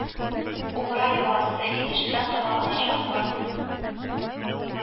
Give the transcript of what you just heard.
Угра елгасы, инештән тамагына чаклы